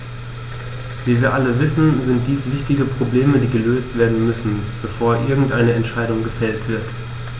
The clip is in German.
Wie wir alle wissen, sind dies wichtige Probleme, die gelöst werden müssen, bevor irgendeine Entscheidung gefällt wird.